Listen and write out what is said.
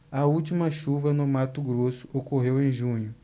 a última chuva no mato grosso ocorreu em junho